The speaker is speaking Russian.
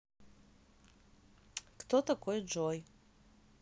кто такой джой